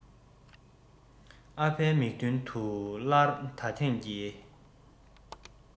ཨ ཕའི མིག མདུན དུ སླར ད ཐེངས ཀྱི